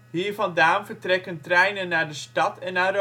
Hiervandaan vertrekken treinen naar de stad en naar